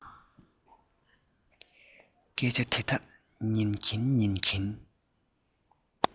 སྐད ཆ འདི དག ཉན གྱིན ཉན གྱིན